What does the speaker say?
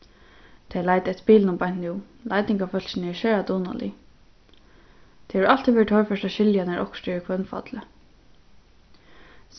tey leita eftir bilinum beint nú leitingarfólkini eru sera dugnalig tað hevur altíð verið torført at skilja nær okkurt er í hvønnfalli